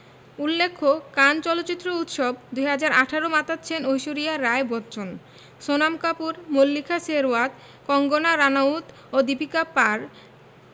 উল্লেখ্য কান চলচ্চিত্র উৎসব ২০১৮ মাতাচ্ছেন ঐশ্বরিয়া রাই বচ্চন সোনম কাপুর মল্লিকা শেরওয়াত কঙ্গনা রানাউত ও দীপিকা পাড়